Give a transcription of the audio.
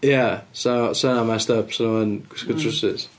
Ie 'sa, 'sa hynna'n messed up 'sen nhw yn gwisgo trowsus.